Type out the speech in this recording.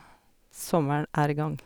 Sommeren er i gang.